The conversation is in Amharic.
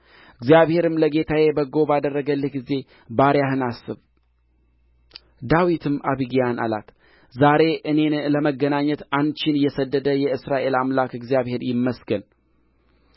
እግዚአብሔርም ለጌታዬ በጎ ባደረገልህ ጊዜ ባሪያህን አስብ ዳዊትም አቢግያን አላት ዛሬ እኔን ለመገናኘት አንቺን የሰደደ የእስራኤል አምላክ እግዚአብሔር ይመስገን